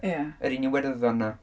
Ie... Yr un Iwerddon 'na.